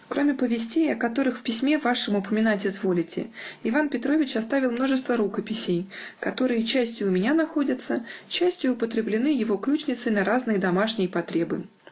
Кроме повестей, о которых в письме вашем упоминать изволите, Иван Петрович оставил множество рукописей, которые частию у меня находятся, частию употреблены его ключницею на разные домашние потребы.